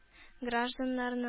Гражданнарның